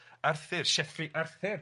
Arthur, Sieffre Arthur.